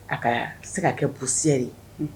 A ka tɛ se ka kɛ busɛri